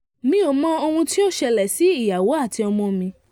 Mí ò mọ ohun tí ó ṣẹlẹ̀ sí ìyàwó àti ọmọ mi